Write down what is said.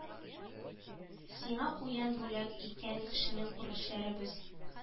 Сиңа куян бүләк иткән кешенең күршеләре без